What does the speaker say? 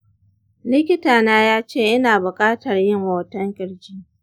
likitana ya ce ina buƙatar yin hoton ƙirji.